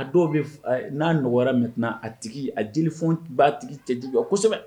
Dɔw bɛ n'a nɔgɔ mɛn tɛna a tigi a jeli ba tigi cɛ di kosɛbɛ